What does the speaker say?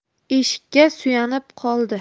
eshikka suyanib qoldi